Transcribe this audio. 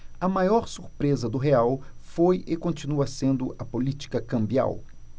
a maior surpresa do real foi e continua sendo a política cambial